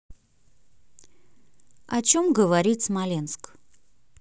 о чем говорит смоленск